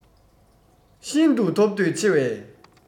ཤིན ཏུ ཐོབ འདོད ཆེ བས